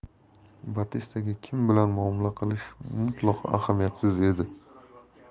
batistaga kim bilan muomala qilish mutlaqo ahamiyatsiz edi